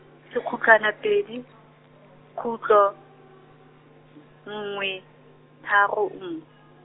sekhutlwana pedi, khutlo, nngwe, tharo nng-.